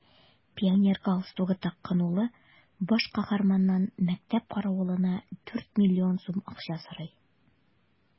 Пионер галстугы таккан улы баш каһарманнан мәктәп каравылына дүрт миллион сум акча сорый.